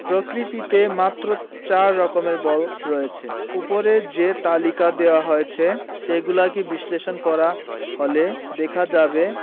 প্রকৃতিতে মাত্র চার রকমের বল রয়েছে ওপরে যে তালিকা দেওয়া হয়েছে সেগুলোকে বিশ্লেষণ করা হলে দেখা যাবে